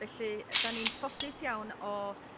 Felly 'da ni'n ffodus iawn o